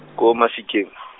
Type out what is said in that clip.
ko Mafikeng.